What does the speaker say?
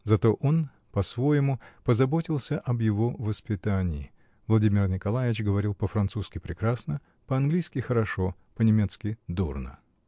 Зато он, по-своему, позаботился об его воспитании: Владимир Николаич говорил по-французски прекрасно, по-английски хорошо, по-немецки дурно.